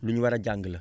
lu ñu war a jàng la